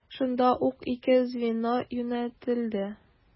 Шунда ук ике звено юнәтелде.